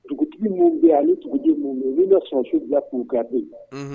Dugutigi bɛ bɛ sonso bila kuru ka yen